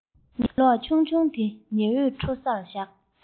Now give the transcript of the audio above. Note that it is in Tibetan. ཉི གློག ཆུང ཆུང དེ ཉི འོད འཕྲོ སར བཞག